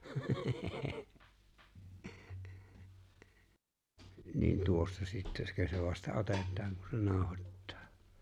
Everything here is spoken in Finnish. niin tuossa sittenkös se vasta otetaan kun se nauhoittaa